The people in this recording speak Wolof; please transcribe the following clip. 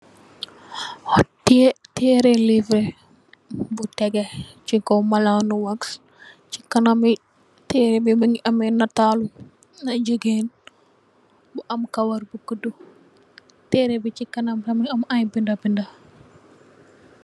Tere leve buteget sikon malani wax si kanami trey yi mu nge am natal le gigen bu am karaw bu gudu terey bi si kanam mugi am ai bedabida.